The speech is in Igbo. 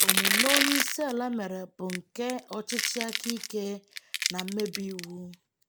Omume onyeisiala mere bụ nke ọchịchị aka ike ma mmebi iwu.